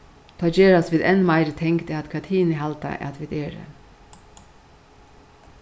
tá gerast vit enn meiri tengd at hvat hini halda at vit eru